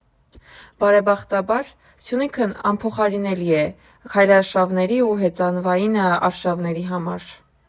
Բարեբախտաբար, Սյունիքն անփոխարինելի է քայլարշավների ու հեծանվային արշավների համար։